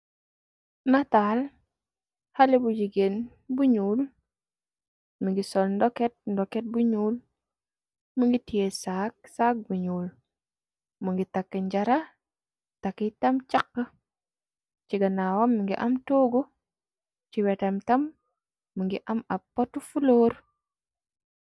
Nataal xale bu jigéen bu ñuul, mi ngi sol ndoket ndoket bu ñuul, mu ngi tiyee saak, saak bu ñuul, mu ngi takk njara, takky tam cax, ci ganaawam mi ngi am toogu, ci wetam tam mu ngi am ab potu fuloor.